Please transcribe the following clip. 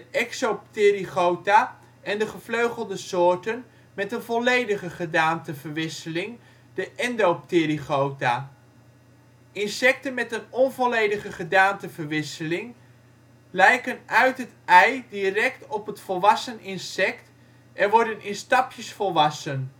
Exopterygota) en de gevleugelde insecten met een volledige gedaanteverwisseling (Endopterygota). Insecten met een onvolledige gedaanteverwisseling lijken uit het ei direct op het volwassen insect en worden in stapjes volwassen